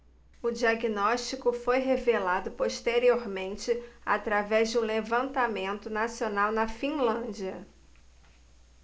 o diagnóstico foi revelado posteriormente através de um levantamento nacional na finlândia